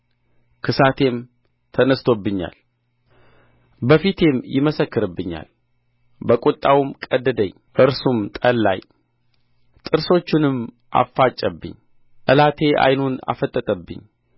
ክሳቴም ተነሥቶብኛል በፊቴም ይመሰክርብኛል በቍጣው ቀደደኝ እርሱም ጠላኝ ጥርሶቹንም አፋጨብኝ ጠላቴ ዓይኑን አፈጠጠብኝ